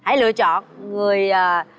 hãy lựa chọn người à